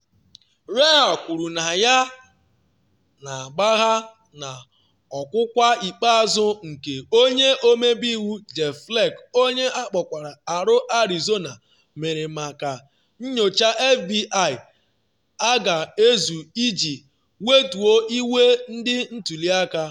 Reeher kwuru na ya na-agbagha n’ọkwụkwa ikpeazụ nke Onye Ọmebe Iwu Jeff Flake (R-Arizona) mere maka nyocha FBI a ga-ezu iji wetuo iwe ndị ntuli aka.